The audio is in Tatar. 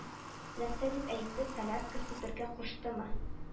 Нәрсә дип әйтте солярка сибәргә куштымы